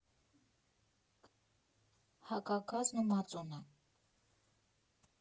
Հակագազն ու մածունը։